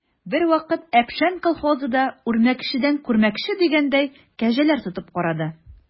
Бервакыт «Әпшән» колхозы да, үрмәкчедән күрмәкче дигәндәй, кәҗәләр тотып карады.